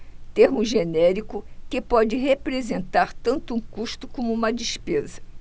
termo genérico que pode representar tanto um custo como uma despesa